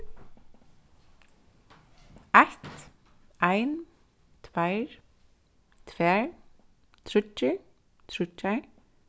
eitt ein tveir tvær tríggir tríggjar